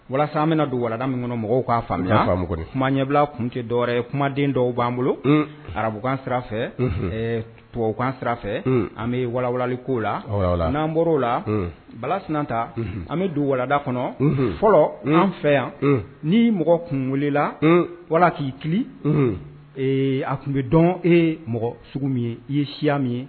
Walasa an bɛna don warada min kɔnɔ mɔgɔw k'a faamuya kuma ɲɛbila kun tɛ dɔwɛrɛ ye kumaden dɔw b'an bolo arabukan sira fɛbabukan sira fɛ an bɛ wawali ko la n'anɔr o la bala sinata an bɛ don warada kɔnɔ fɔlɔ an fɛ yan ni mɔgɔ kun welela wala k'i a tun bɛ dɔn e mɔgɔ sugu min ye i ye siya min ye